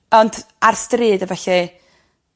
Ond ar stryd a ballu